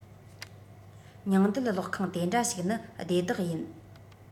ཉིང རྡུལ གློག ཁང དེ འདྲ ཞིག ནི སྡེ བདག ཡིན